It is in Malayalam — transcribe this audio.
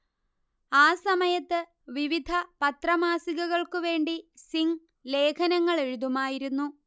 ആ സമയത്ത് വിവിധ പത്രമാസികകൾക്കുവേണ്ടി സിംഗ് ലേഖനങ്ങളെഴുതുമായിരുന്നു